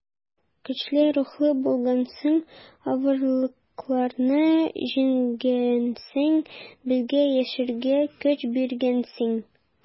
Көчле рухлы булгансың, авырлыкларны җиңгәнсең, безгә яшәргә көч биргәнсең.